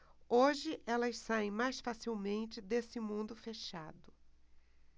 hoje elas saem mais facilmente desse mundo fechado